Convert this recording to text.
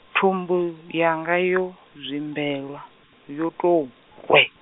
thumbu yanga yo, zwimbelwa, yo tou rwe.